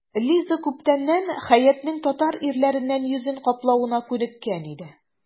Лиза күптәннән Хәятның татар ирләреннән йөзен каплавына күнеккән иде.